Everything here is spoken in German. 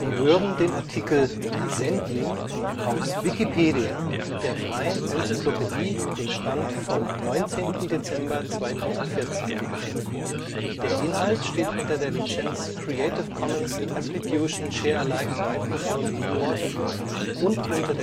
hören den Artikel Sendling, aus Wikipedia, der freien Enzyklopädie. Mit dem Stand vom Der Inhalt steht unter der Lizenz Creative Commons Attribution Share Alike 3 Punkt 0 Unported und unter